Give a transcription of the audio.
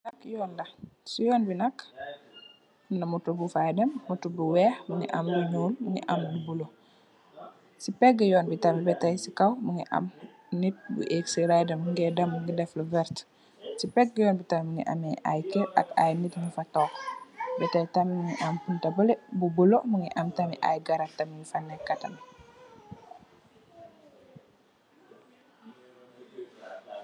Li nak yuun la si yuun bi nak amna moto bu fa dem moto bu nuul mongi am lu nuul mongi am lu bulu si pegi yuun bi tam betei si kaw mongi am nitt bu aag si raider mogex dem mongi def lu vertax si pegi yuun bi tam mongi am ay keur ak ay nitt yu fa tog bex tai tam mongi am bunta bele bu bulu mongi tamit am ay garab tamit yu fa neka tam.